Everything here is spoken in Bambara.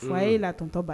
Fa a ye la tɔtɔ